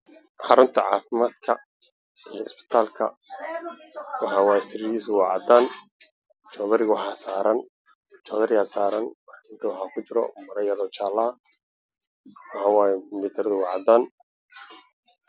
Waa isbitaal waxaa yaalo sariir midabkeedu yahay buluug cadaan